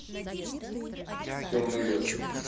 темный лес